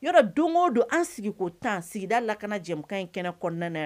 Yɔrɔ, don o don an sigi ko tan, sigida lakana jɛmun kan in kɛnɛ kɔnɔna